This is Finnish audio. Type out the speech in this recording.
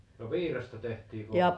no piirasta tehtiin kovasti